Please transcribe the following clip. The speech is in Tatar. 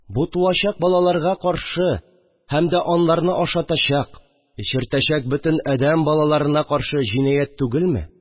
Бу туачак балаларга каршы һәм дә аларны ашатачак, эчертәчәк бөтен адәм балаларына каршы җинаять түгелме